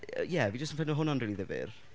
Yy ie fi jyst yn ffeindio hwnna'n rili ddifyr.